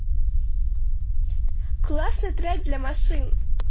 классный трек для машин